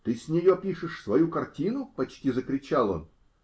-- Ты с нее пишешь свою картину? -- почти закричал он.